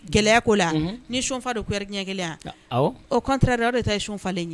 Gɛlɛya ko la ni siyonfa don. Cuillère ɲɛkelen ya. awɔ au contraires o de kaɲi ni siyon falen ye